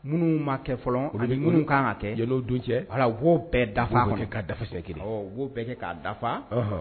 Minnu ma kɛ fɔlɔ olu bɛ minnu kan ka kɛ jeliw don cɛ ala wo bɛɛ dafa ka dafesɛ kelen wo bɛɛ kɛ ka dafa